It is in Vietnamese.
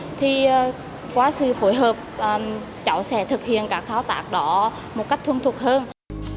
thì qua sự phối hợp ờm cháu sẽ thực hiện các thao tác đó một cách thuần thục hơn